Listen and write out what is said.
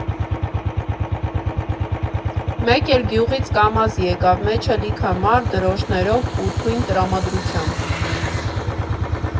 Մեկ էլ գյուղից Կամազ եկավ, մեջը լիքը մարդ՝ դրոշակներով ու թույն տրամադրությամբ։